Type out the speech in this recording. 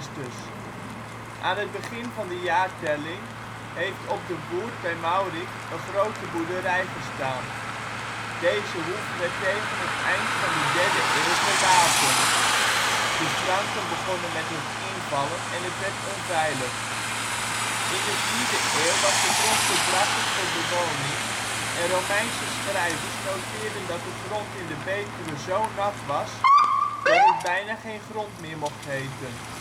v.Chr.). Aan het begin van de jaartelling heeft op de Woerd bij Maurik een grote boerderij gestaan; deze hoeve werd tegen het eind van de 3e eeuw verlaten: De Franken begonnen met hun invallen en het werd onveilig. In de 4e eeuw was de grond te drassig voor bewoning en Romeinse schrijvers noteerden dat de grond in de Betuwe zo nat was, dat het bijna geen grond meer mocht heten